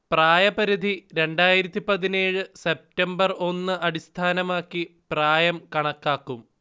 പ്രായപരിധി രണ്ടായിരത്തിപ്പതിനേഴ് സെപ്റ്റംബർ ഒന്ന് അടിസ്ഥാനമാക്കി പ്രായം കണക്കാക്കും